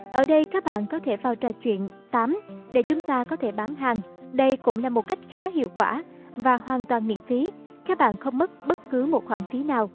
ở đây các bạn có thể vào trò chuyện tám để chúng ta có thể bán hàng đây cũng là cách khá hiệu quả và hoàn toàn miễn phí các bạn không mất bất cứ khoản phí nào